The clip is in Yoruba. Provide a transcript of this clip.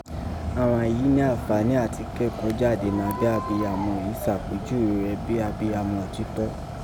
àghan yìí nẹ́ anfaani ati kẹkọọ jade nabẹ abiyamọ yi sapejuwe rẹ bii abiyamọ otitọ.